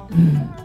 Un